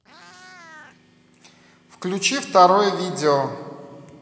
включи второе видео